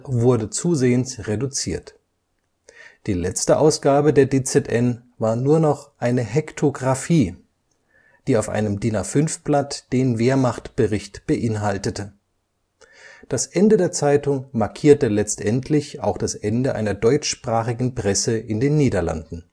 wurde zusehends reduziert. Die letzte Ausgabe der DZN war nur noch eine Hektographie, die auf einem DIN-A5-Blatt den Wehrmachtbericht beinhaltete. Das Ende der Zeitung markierte letztendlich auch das Ende einer deutschsprachigen Presse in den Niederlanden